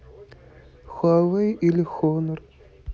хуавей или хонор